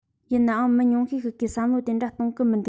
ཡིན ནའང མི ཉུང ཤས ཤིག གིས བསམ བློ དེ འདྲ གཏོང གི མི འདུག